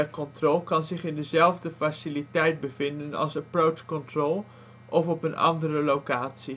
Control kan zich in dezelfde faciliteit bevinden als Approach Control, of op een andere locatie